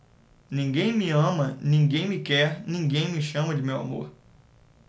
ninguém me ama ninguém me quer ninguém me chama de meu amor